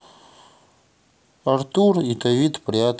артур и давид прятки